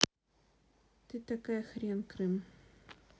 ты такая хрен крым